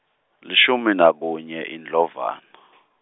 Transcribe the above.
lishumi nakunye iNdlovana.